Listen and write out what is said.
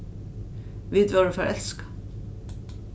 vit vóru forelskað